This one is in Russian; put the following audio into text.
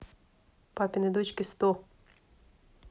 папины дочки сто